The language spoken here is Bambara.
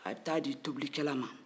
a bɛ taa di tobilikɛla man